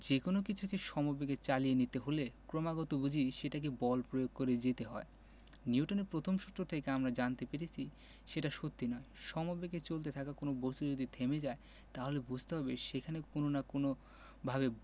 যেতে হয় নিউটনের প্রথম সূত্র থেকে আমরা জানতে পেরেছি সেটা সত্যি নয় সমবেগে চলতে থাকা কোনো বস্তু যদি থেমে যায় তাহলে বুঝতে হবে সেখানে কোনো না কোনোভাবে